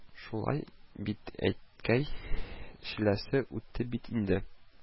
Шулай бит, әткәй, челләсе үтте бит инде